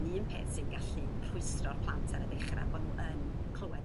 yn un peth sy'n gallu rhwystro'r plant ar y dechra' a bo' n'w yn clywed